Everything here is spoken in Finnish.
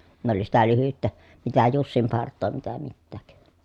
ne oli sitä lyhyttä mitä jussinpartaa mitä mitään